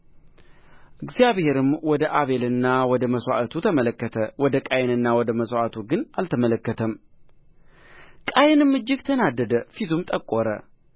እግዚአብሔርም ወደ አቤልና ወደ መሥዋዕቱ ተመለከተ ወደ ቃየንና ወደ መሥዋዕቱ ግን አልተመለከተም ቃየንም እጅግ ተናደደ ፊቱም ጠቆረ